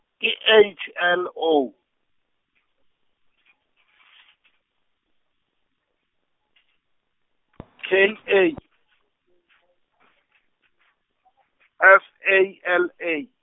ke H L O , K A , F A L A.